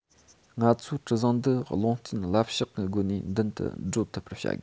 ང ཚོའི གྲུ གཟིངས འདི རླུང བརྟེན རླབས གཤག གི སྒོ ནས མདུན དུ བགྲོད ཐུབ པར བྱ དགོས